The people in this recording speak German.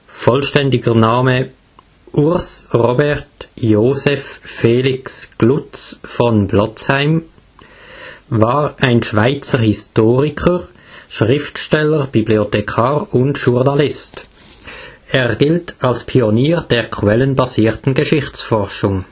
vollständiger Name Urs Robert Joseph Felix Glutz von Blotzheim) war ein Schweizer Historiker, Schriftsteller, Bibliothekar und Journalist. Er gilt als Pionier der quellenbasierten Geschichtsforschung